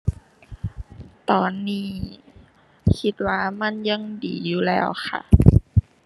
ตอนนี้คิดว่ามันยังดีอยู่แล้วค่ะ